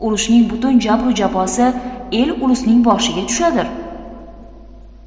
urushning butun jabru jafosi el ulusning boshiga tushadir